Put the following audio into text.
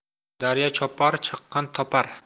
daryo chopar chaqqon topar